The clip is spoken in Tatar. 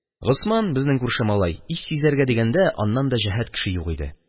Госман, безнең күрше малай, ис сизәргә дигәндә аннан да җәһәт кеше юк иде.